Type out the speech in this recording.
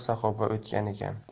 saxoba o'tgan ekan